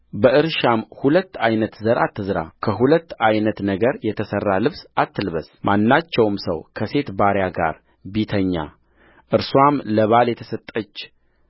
በእርሻህም ሁለት ዓይነት ዘር አትዝራ ከሁለት ዓይነት ነገር የተሠራ ልብስ አትልበስማናቸውም ሰው ከሴት ባሪያ ጋር ቢተኛ እርስዋም ለባል የተሰጠች